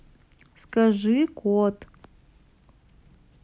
скажи кот